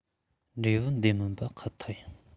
འབྲས བུ འདི མིན པ ཁོ ཐག ཡིན